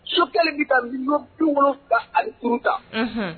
Sogɛl bɛ ka 75000000 ta.